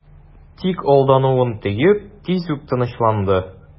Чалбар кипкәнне көтеп без йокыга китәбез.